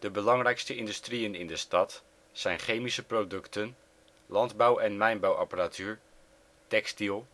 belangrijkste industrieën in de stad zijn chemische producten, landbouw - en mijnbouwapparatuur, textiel